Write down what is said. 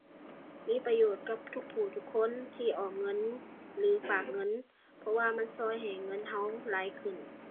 มีประโยชน์กับทุกผู้ทุกคนที่ออมเงิน หรือฝากเงิน เพราะว่ามันช่วยให้เงินช่วยหลายขึ้น